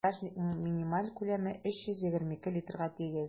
Багажникның минималь күләме 322 литрга тигез.